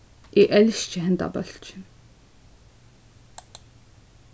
eg elski henda bólkin